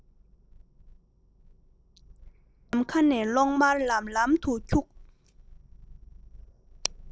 ནམ མཁའ ནས གློག དམར ལམ ལམ དུ འཁྱུག